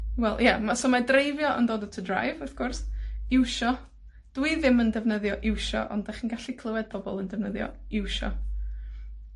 Wel, ie, ma', so ma' dreifio yn dod o to drive, wrth gwrs. Iwsio, dwi ddim yn defnyddio iwsio, ond 'dach chi'n gallu clywed pobol yn defnyddio iwsio.